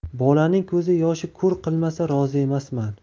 bolaning ko'zi yoshi ko'r qilmasa rozi emasman